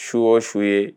Su o su ye